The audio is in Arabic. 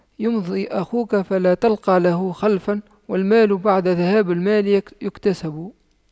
يمضي أخوك فلا تلقى له خلفا والمال بعد ذهاب المال يكتسب